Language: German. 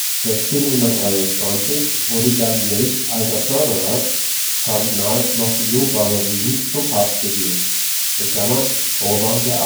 1623 wurde Galileis alter Förderer, Kardinal Maffeo Barberini, zum Papst gewählt (Urban VIII